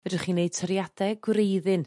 fedrwch chi'n neud toriade gwreiddyn